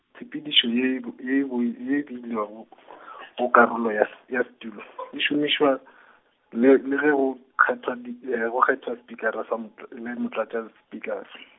tshepedišo ye b-, ye boi-, ye e beilego , go karolo ya s- ya setulo , e šomišwa, le le ge go kgethwa di , go kgethwa spikara sa motl-, le motlatša spikar- .